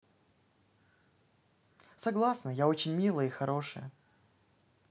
согласна я очень милая и хорошая